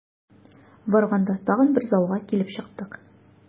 Барганда тагын бер залга килеп чыктык.